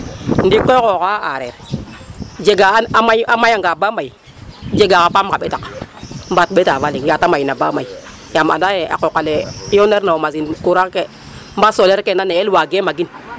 Ndiiki koy xooxa a aareer jega a maya, mayanga ba may jega xa paam xa ɓetaq mbaat ɓeta fa leŋ ya ta mayna ba may ;yaam anda yee a qooq ale yoneerna fo machine courant ke mbaa solaire ke na ne'el waagee magin .